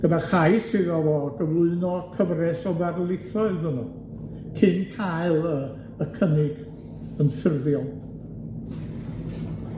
Gyda chais iddo fo gyflwyno cyfres o ddarlithoedd yno, cyn ca'l y y cynnig yn ffurfiol.